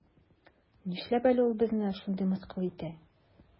Нишләп әле ул безне шулай мыскыл итә?